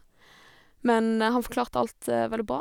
Men han forklarte alt veldig bra.